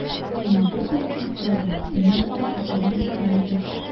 Ә өйдә көзгегә карадым - минем бөтен тешләрем кара иде!